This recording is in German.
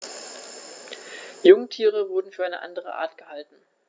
Jungtiere wurden für eine andere Art gehalten.